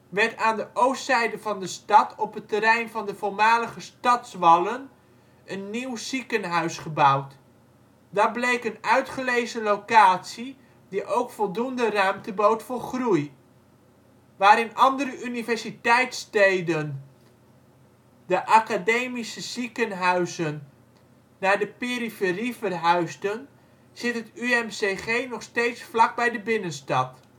werd aan de oostzijde van de stad op het terrein van de voormalige stadswallen een nieuw ziekenhuis gebouwd. Dat bleek een uitgelezen locatie die ook voldoende ruimte bood voor groei. Waar in andere universiteitststeden de academische ziekenhuizen naar de periferie verhuisden zit het UMCG nog steeds vlak bij de binnenstad